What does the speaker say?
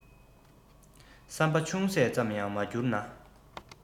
བསམ པ ཅུང ཟད ཙམ ཡང མ འགྱུར ན